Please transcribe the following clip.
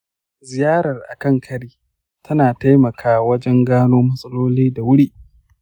ziyarar akan kari tana taimaka wajen gano matsaloli da wuri.